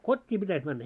kotiin pitäisi mennä